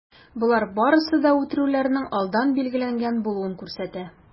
Болар барысы да үтерүләрнең алдан билгеләнгән булуын күрсәтә.